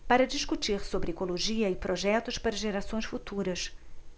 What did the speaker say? para discutir sobre ecologia e projetos para gerações futuras